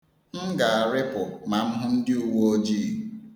M ga-aripụ ma m hụ ndị uweojii.